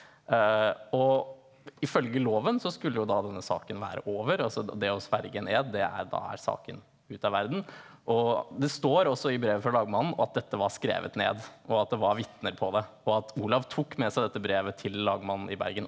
og ifølge loven så skulle jo da denne saken være over altså det å sverge en ed det er da er saken ute av verden og det står også i brevet fra lagmannen at dette var skrevet ned og at det var vitner på det på at Olav tok med seg dette brevet til lagmannen i Bergen.